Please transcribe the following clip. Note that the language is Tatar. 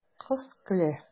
Кыз көлә.